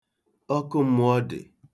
Ọkụm̄mụ̄ọ̄ dị.